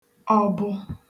obụ